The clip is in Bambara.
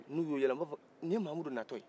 n'u y'u yɛlɛma u b'a fɔ ni ye mahamudu natɔ ye